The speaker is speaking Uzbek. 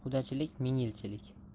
qudachilik ming yilchilik